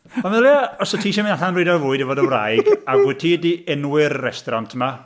Wel, meddylia os wyt ti isio mynd allan am bryd o fwyd efo dy wraig, ac wyt ti 'di enwi'r restaurant 'ma...